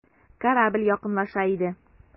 Корабль якынлаша иде.